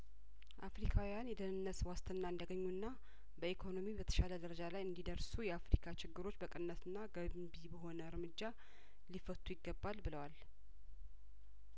አፍሪካውያን የደህንነት ዋስትና እንዲያገኙና በኢኮኖሚ በተሻለደረጃ ላይ እንዲደርሱ የአፍሪካ ችግሮች በቅንነትና ገንቢ በሆነ እርምጃ ሊፈቱ ይገባል ብለዋል